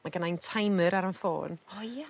Ma' gynnai'm timer ar 'yn ffôn. O ia?